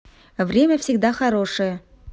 время всегда хорошее